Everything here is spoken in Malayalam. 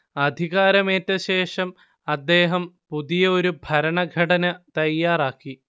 അധികാരമേറ്റശേഷം അദ്ദേഹം പുതിയ ഒരു ഭരണഘടന തയ്യാറാക്കി